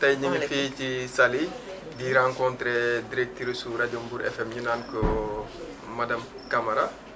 tey ñu ngi fii ci Saly di rencontré directrice rajo Mbour FM ñu naan ko madame Camara